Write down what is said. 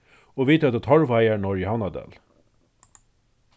og vit høvdu torvheiðar norðuri í havnardali